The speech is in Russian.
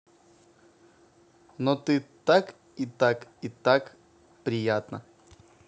но ты так и ты так приятная